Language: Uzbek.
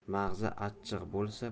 mag'iz achchiq bo'lsa